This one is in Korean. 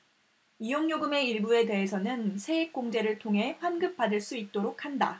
이용요금의 일부에 대해서는 세액공제를 통해 환급받을 수 있도록 한다